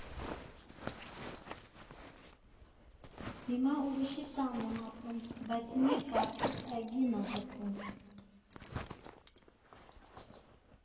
Հիմա ուրիշի տանն եմ ապրում, բայց մեկ ա էս այգին ա ձգում։